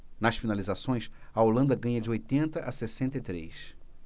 nas finalizações a holanda ganha de oitenta a sessenta e três